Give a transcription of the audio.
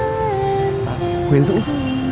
và quyến rũ